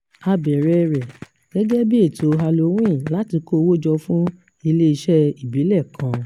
A bẹ̀rẹ̀ ẹ rẹ̀ gẹ́gẹ́ bíi ètò Halowíìnì láti kó owó jọ fún ilé-iṣẹ́ ìbílẹ̀ kan.